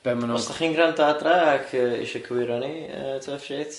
be' ma' nw'n... Os 'dach chi'n grando adra ac isio cywiro ni yy tough shit